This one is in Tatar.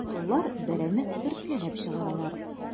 Коллар бәрәнне төрткәләп чыгаралар.